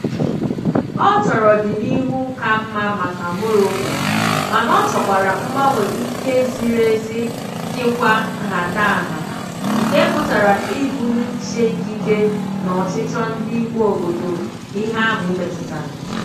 Ọ chọrọ ọdịnihu ka mma maka Morocco, mana ọ chọkwara mgbanwe ike ziri ezi dịkwa nhatanha, nke pụtara ibu n'uche ikike na ọchịchọ ndị imeobodo ihe ahụ metụtara.